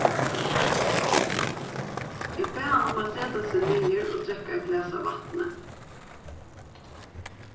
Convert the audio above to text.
eg bað hann um at seta seg niður og drekka eitt glas av vatni